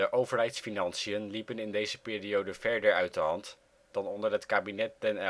overheidsfinanciën liepen in deze periode verder uit de hand dan onder het kabinet-Den